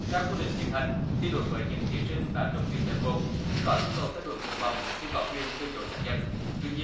theo quy định hiện hành thì đối với những thí sinh đã trúng tuyển đợt một nhưng có nhu cầu thay đổi nguyện vọng thì có quyền từ chối xác nhận tuy nhiên